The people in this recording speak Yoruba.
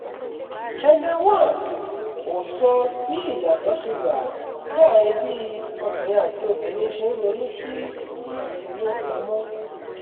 Channel One ò sọ bí ìyàtọ̀ ṣe wà láàárín bí ọkùnrin àti obìnrin ṣe ń ronú sí ìfowópamọ́.